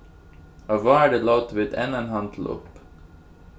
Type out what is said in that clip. á vári lótu vit enn ein handil upp